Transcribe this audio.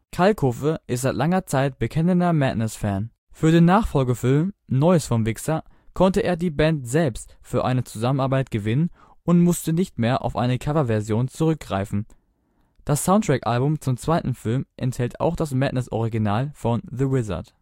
Kalkofe ist seit langer Zeit bekennender Madness-Fan. Für den Nachfolgefilm Neues vom Wixxer konnte er die Band selbst für eine Zusammenarbeit gewinnen und musste nicht mehr auf eine Coverversion zurückgreifen. Das Soundtrack-Album zum zweiten Film enthält auch das Madness-Original von The Wizard